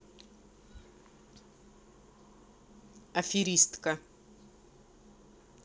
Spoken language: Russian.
аферистка